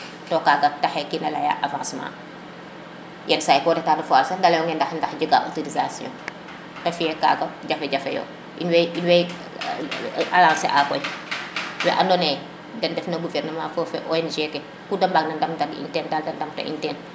to kaga taxe kina leya avancement yenisay sax ko reta foire sax de leyonge ndax jege autorisation te fiye kaga jafe jafe yo in in wey e% lancer a koy we ando naye den ndef na gouvernement fe fo ONG ke ku de mbag na ndam ta in dal te ndam ta in ten